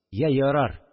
Йә, ярар